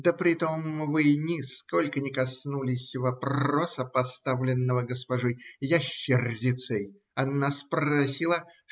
Да притом вы нисколько не коснулись вопроса, поставленного госпожой ящерицей она спросила